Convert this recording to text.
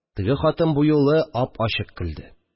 Теге хатын бу юлы ап-ачык көлде.